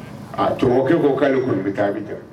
Aa tumakɛ ko k'ale kɔni bɛ taa bɛ jɔ